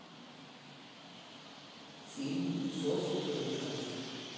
фильм зов предков